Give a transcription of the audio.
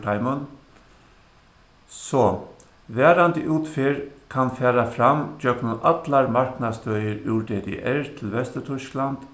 teimum so varandi útferð kann fara fram gjøgnum allar marknastøðir úr ddr til vesturtýskland